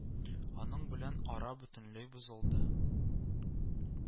Аның белән ара бөтенләй бозылды